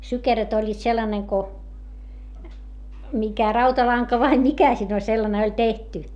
sykeröt olivat sellainen kuin mikä rautalanka vai mikä siinä oli sellainen oli tehty